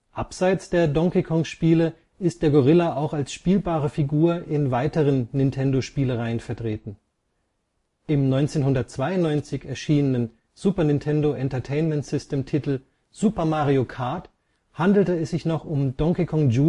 Abseits der Donkey Kong-Spiele ist der Gorilla auch als spielbare Figur in weiteren Nintendo-Spielereihen vertreten. Im 1992 erschienenen SNES-Titel Super Mario Kart handelte es sich noch um Donkey Kong Jr.